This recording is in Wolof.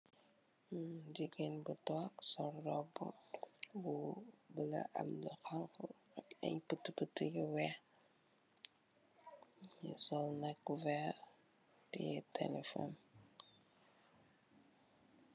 Jigéen bu tóóg sol róbbu bu bula am lu xonxu ak ay putuputu yu wèèx mu sol nak wèèr teyeh telephone.